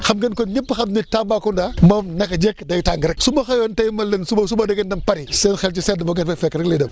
xam ngeen kon ñëpp xam ni Tambacounda moom naka jekk day tàng rek su ma xëyoon tey ma ni leen suba suba da ngeen di dem Paris seen xel ci sedd ba ngeen fay fekk rek lay dem